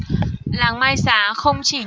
làng mai xá không chỉ